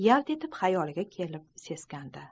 yalt etib xayoliga kelib seskandi